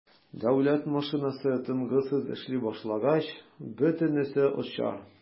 Дәүләт машинасы тынгысыз эшли башлагач - бөтенесе оча.